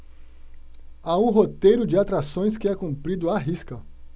há um roteiro de atrações que é cumprido à risca